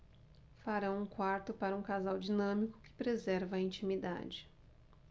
farão um quarto para um casal dinâmico que preserva a intimidade